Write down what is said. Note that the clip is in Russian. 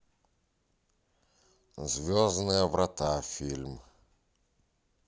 звездные врата фильм